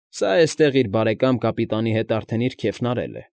Սա էստեղ, իր բարեկամ կապիտանի հետ արդեն իր քեֆն արել է։ ֊